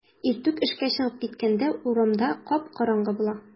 Иртүк эшкә чыгып киткәндә урамда кап-караңгы була.